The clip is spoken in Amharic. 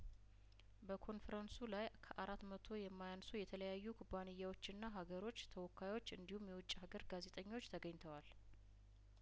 በኮንፈረንሱ ላይከአራት መቶ የማያንሱ የተለያዩ ኩባንያዎችና ሀገሮች ተወካዮች እንዲሁም የውጭ ሀገር ጋዜጠኞች ተገኝተዋል